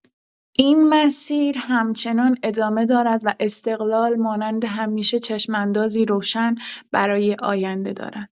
این مسیر همچنان ادامه دارد و استقلال مانند همیشه چشم‌اندازی روشن برای آینده دارد.